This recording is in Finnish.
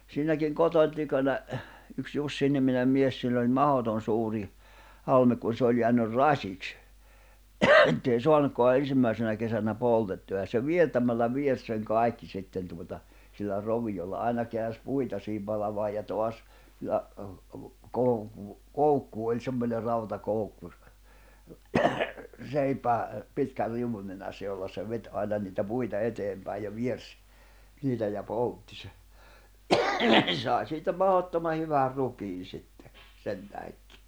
siinäkin kotoni tykönä yksi Jussi-niminen mies sillä oli mahdoton suuri halme kun se oli jäänyt rasiksi että ei saanutkaan ensimmäisenä kesänä poltettua ja se viertämällä viersi sen kaikki sitten tuota sillä roviolla aina käänsi puita siihen palamaan ja taas ja - koukku oli semmoinen rautakoukku - seipään pitkän riu'un nenässä jolla se veti aina niitä puita eteenpäin ja viersi niitä ja poltti se se sai siitä mahdottoman hyvän rukiin sitten sen tähdenkin